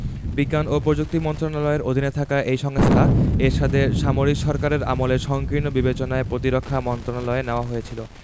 বিজ্ঞান ও প্রযুক্তি মন্ত্রণালয়ের অধীনে থাকা এই সংস্থা এরশাদের সামরিক সরকারের আমলে সংকীর্ণ বিবেচনায় প্রতিরক্ষা মন্ত্রণালয়ে নেওয়া হয়েছিল